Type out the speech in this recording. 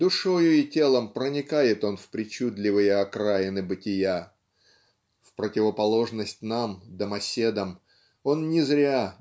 душою и телом проникает он в причудливые окраины бытия. В противоположность нам домоседам он не зря